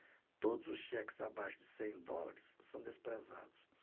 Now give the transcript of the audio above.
todos os cheques abaixo de cem dólares são desprezados